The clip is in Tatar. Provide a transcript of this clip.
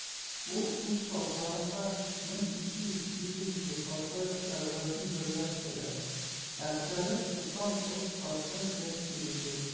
Ул үз сафларында 1257 профсоюз әгъзасын берләштерә, әгъзалык 99 % тәшкил итә.